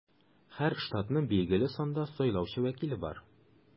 Һәр штатның билгеле санда сайлаучы вәкиле бар.